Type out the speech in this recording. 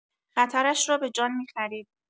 خطرش را به جان می‌خرید.